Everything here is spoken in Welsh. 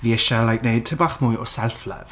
Fi isie like wneud tipyn bach mwy o self-love.